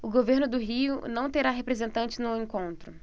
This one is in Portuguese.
o governo do rio não terá representante no encontro